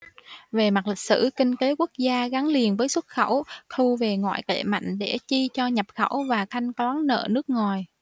về mặt lịch sử kinh tế quốc gia gắn liền với xuất khẩu thu về ngoại tệ mạnh để chi cho nhập khẩu và thanh toán nợ nước ngoài